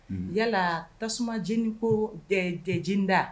Yalala tasuma jinin ko deji da